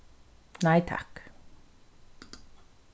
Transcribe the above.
nei takk